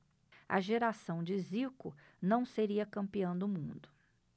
a geração de zico não seria campeã do mundo